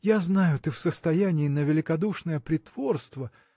я знаю, ты в состоянии на великодушное притворство.